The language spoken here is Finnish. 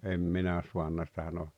en minä saanut sitä nousemaan